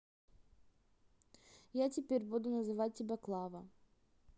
я теперь буду называть тебя клава